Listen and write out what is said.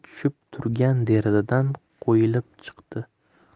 tushib turgan derazadan qo'yilib chiqdi